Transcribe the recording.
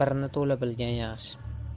birni to'la bilgan yaxshi